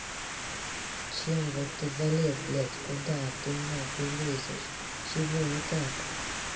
чем вот ты залез блядь куда ты нахуй залезть чего не так